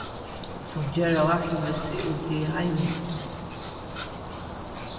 sum gera vart við seg úti í heimi